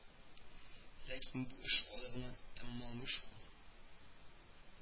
Ләкин бу эш алай гына тәмамланмый шул